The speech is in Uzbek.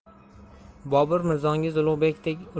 bobur mirzongiz ulug'bekdek ulug'